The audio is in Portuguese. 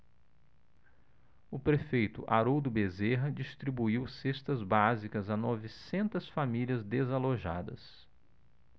o prefeito haroldo bezerra distribuiu cestas básicas a novecentas famílias desalojadas